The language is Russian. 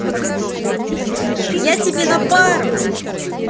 я на тебе пару